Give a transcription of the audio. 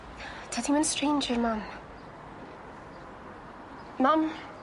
Ta dim yn stranger mam. Mam?